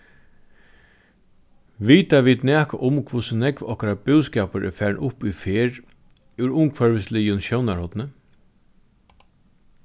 vita vit nakað um hvussu nógv okkara búskapur er farin upp í ferð úr umhvørvisligum sjónarhorni